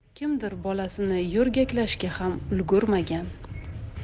kimdir bolasini yo'rgaklashga ham ulgurmagan